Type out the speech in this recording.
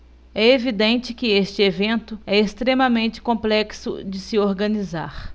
é evidente que este evento é extremamente complexo de se organizar